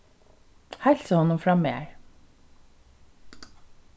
heilsa honum frá mær